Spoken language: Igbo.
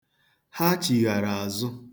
Ha chighara azụ.